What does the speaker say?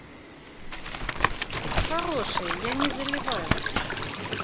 хорошее я не заливаюсь